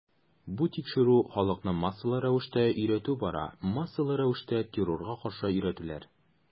Бу тикшерү, халыкны массалы рәвештә өйрәтү бара, массалы рәвештә террорга каршы өйрәтүләр.